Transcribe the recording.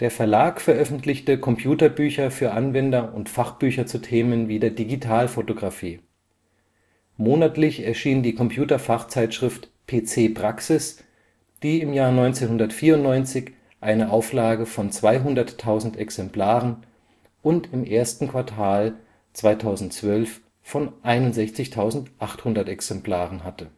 Verlag veröffentlichte Computerbücher für Anwender und Fachbücher zu Themen wie der Digitalfotografie. Monatlich erschien die Computer-Fachzeitschrift PC Praxis, die 1994 eine Auflage von 200.000 Exemplaren und im 1. Quartal 2012 von 61.800 Exemplaren hatte